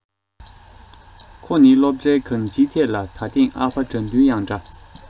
ཁོ ནི སློབ གྲྭའི གང སྤྱིའི ཐད ལ ད ཐེངས ཨ ཕ དགྲ འདུལ ཡང འདྲ